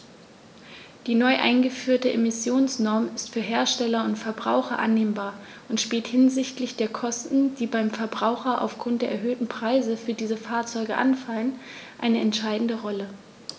Die neu eingeführte Emissionsnorm ist für Hersteller und Verbraucher annehmbar und spielt hinsichtlich der Kosten, die beim Verbraucher aufgrund der erhöhten Preise für diese Fahrzeuge anfallen, eine entscheidende Rolle.